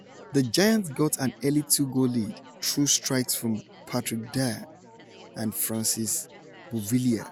The Giants got an early two-goal lead through strikes from Patrick Dwyer and Francis Beauvillier.